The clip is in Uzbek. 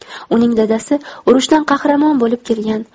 uning dadasi urushdan qahramon bo'lib kelgan